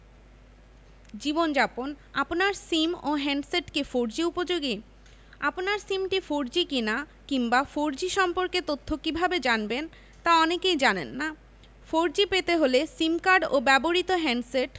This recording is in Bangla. জীবনযাপন আপনার সিম ও হ্যান্ডসেট কি ফোরজি উপযোগী আপনার সিমটি ফোরজি কিনা কিংবা ফোরজি সম্পর্কে তথ্য কীভাবে জানবেন তা অনেকেই জানেন না ফোরজি পেতে হলে সিম কার্ড ও ব্যবহৃত হ্যান্ডসেট